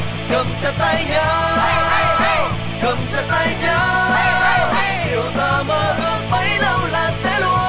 cầm chạy tay nhau cầm chặt tay nhau hiểu ra mơ ước bấy lâu là sẽ luôn